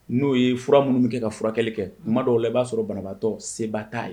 N'o ye fura minnu min kɛ ka furakɛ kɛ kuma dɔw i b'a sɔrɔ banabaatɔ seba ta ye